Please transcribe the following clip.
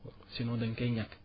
sinon da nga koy ñàkk